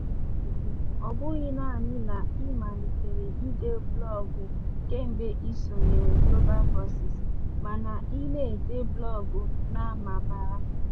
Ajụjụ: Ọ bụghị naanị na ị malitere ịde blọọgụ kemgbe ị sonyere Global Voices, mana ị na-ede blọọgụ na Bambara!